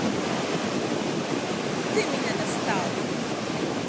ты меня достал